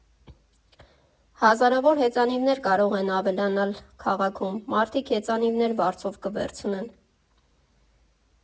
Հազարավոր հեծանիվներ կարող են ավելանալ քաղաքում, մարդիկ հեծանիվներ վարձով կվերցնեն ։